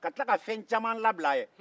ka tila ka fɛn caman labila ye